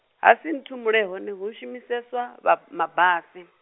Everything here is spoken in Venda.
Hasinthumule hone hu shumiseswa vha b-, mabasi.